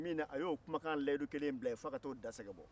min na a y'o kumakan lahidukelen bila yen fɔ ka taa o da sɛgɛbɔ